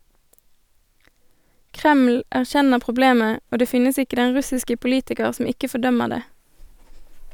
Kreml erkjenner problemet, og det finnes ikke den russiske politiker som ikke fordømmer det.